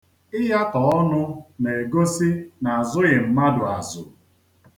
Ịyatọ ọnụ na-egosi na azụghị mmadụ azụ.